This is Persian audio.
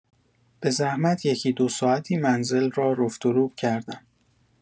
به زحمت یکی دو ساعتی منزل را رفت و روب کردم.